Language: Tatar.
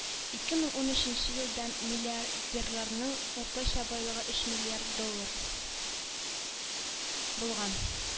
Ике мең унөченче елда миллиардерларның уртача байлыгы өч миллиард доллар булган.